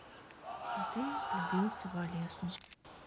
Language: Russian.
а ты влюбился в алису